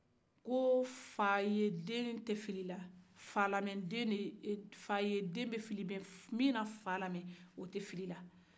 ko fa ye den de bɛ fili nka fa lamɛden o tɛ fili